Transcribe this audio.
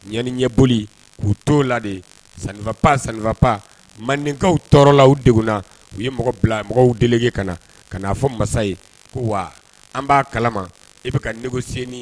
Ɲani ɲɛ boli k'u t la de sanfa pa sanfa pa mandenkaw tɔɔrɔla u deg na u ye mɔgɔ bila mɔgɔw delige ka na ka'a fɔ masa ye ko wa an b'a kalama e bɛ ka n nɛgɛsen